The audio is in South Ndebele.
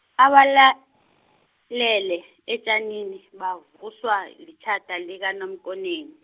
abalalele- etjanini, bavuswa litjhada, likaNaMkoneni.